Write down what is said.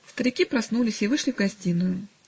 Старики проснулись и вышли в гостиную.